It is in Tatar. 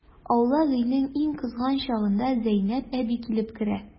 Аулак өйнең иң кызган чагында Зәйнәп әби килеп керә.